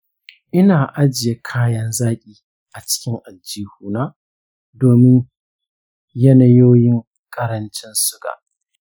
ina ajiye kayan zaƙi a cikin aljihuna domin yanayoyin ƙarancin suga.